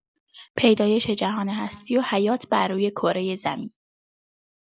پیدایش جهان هستی و حیات بروی کره زمین